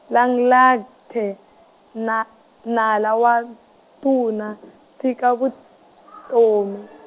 Langlaagte, na nala wa tuna, tshika vutomi.